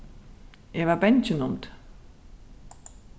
eg var bangin um teg